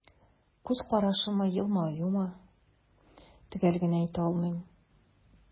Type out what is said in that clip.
Күз карашымы, елмаюмы – төгәл генә әйтә алмыйм.